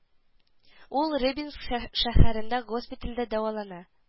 Ул рыбинск шәһәрендә госпитальдә дәвалана